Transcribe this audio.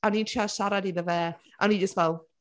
A o’n i’n trial siarad iddo fe, a o’n i just fel…